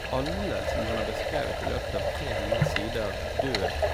Alle som han har beskrevet i løpet av tre hundre sider, dør.